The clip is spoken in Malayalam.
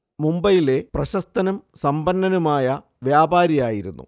മുംബൈയിലെ പ്രശസ്തനും സമ്പന്നനുമായ വ്യാപാരിയായിരുന്നു